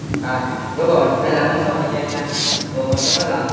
à đúng rồi hay là em bán sóp thời trang nha vừa ngồi trong máy lạnh